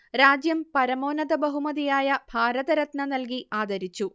രാജ്യം പരമോന്നത ബഹുമതിയായ ഭാരതരത്ന നൽകി ആദരിച്ചു